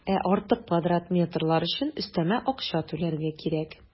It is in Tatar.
Ә артык квадрат метрлар өчен өстәмә акча түләргә кирәк.